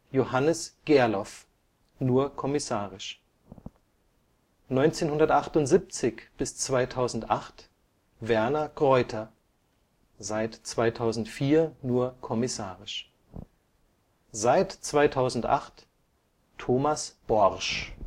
Johannes Gerloff (kommissarisch) 1978 bis 2008: Werner Greuter (seit 2004 kommissarisch) seit 2008 Thomas Borsch